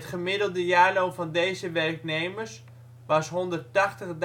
gemiddelde jaarloon van deze werknemers was € 180.783